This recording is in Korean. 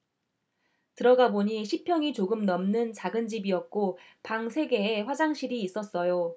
들어가보니 십 평이 조금 넘는 작은 집이었고 방 세 개에 화장실이 있었어요